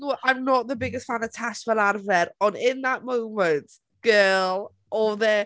I'm not the biggest fan of Tash fel arfer ond in that moment, girl, oedd e...